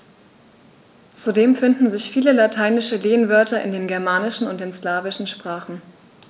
Zudem finden sich viele lateinische Lehnwörter in den germanischen und den slawischen Sprachen.